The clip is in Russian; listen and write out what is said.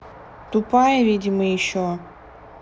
тупая видимо еще